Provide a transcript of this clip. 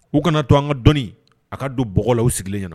U kana to an ka dɔnnii a ka don bɔlaw sigilen ɲɛna na